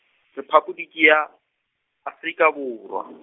Rephapoliki ya, Afrika Borwa.